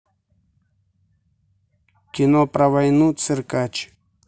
кино про войну циркач